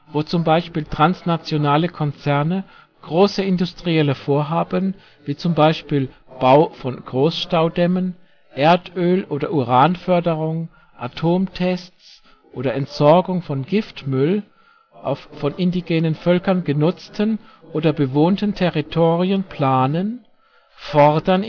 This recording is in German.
wo z.B. transnationale Konzerne große industrielle Vorhaben (z.B. Bau von Großstaustämmenm, Erdöl - oder Uranförderung, Atomtests, Entsorgung von Giftmüll) auf von indigenen Völkern genutzten oder bewohnten Territorien planen, fordern